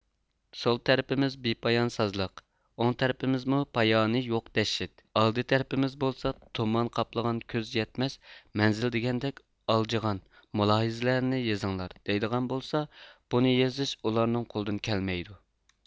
سول تەرىپىمىز بىپايان سازلىق ئوڭ تەرىپىمزمۇ پايانى يوق دەشت ئالدى تەرىپىمىز بولسا تۇمان قاپلىغان كۆز يەتمەس مەنزىل دېگەندەك ئالجىغان مۇلاھىزىلەرنى يېزىڭلار دەيدىغان بولسا بۇنى يېزىش ئۇلارنىڭ قولىدىن كەلمەيدۇ